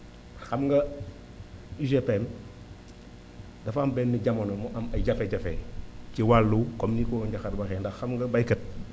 xam nga UGPM dafa am benn jamono mu am ay jafe-jafe ci wàllu comme ni ko Ndiakhate waxee ndax xam nga baykat